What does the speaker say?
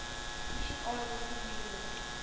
Ничек алай булсын ди инде